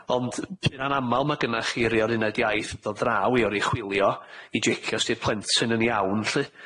ond pur anamal ma' gynnach chi rei o'r uned iaith yn dod draw i oruchwylio i jecio os 'di'r plentyn yn iawn lly.